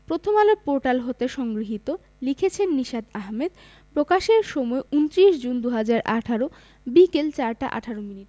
Prothom Alo portal হতে সংগৃহীত লিখেছেন নিশাত আহমেদ প্রকাশের সময় ২৯ জুন ২০১৮ বিকেল ৪টা ২৮ মিনিট